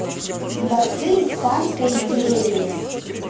дворцы испанской империи